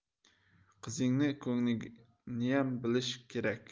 qizingni ko'ngliniyam bilish kerak